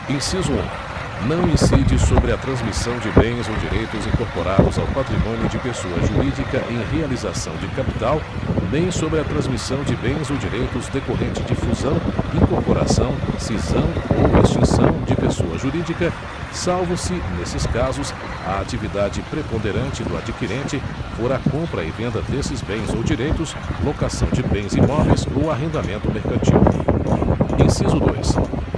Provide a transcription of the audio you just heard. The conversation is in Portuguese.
inciso um não incide sobre a transmissão de bens ou direitos incorporados ao patrimônio de pessoa jurídica em realização de capital nem sobre a transmissão de bens ou direitos decorrente de fusão incorporação cisão ou extinção de pessoa jurídica salvo se nesses casos a atividade preponderante do adquirente for a compra e venda desses bens ou direitos locação de bens imóveis ou arrendamento mercantil inciso dois